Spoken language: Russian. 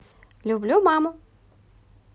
люблю маму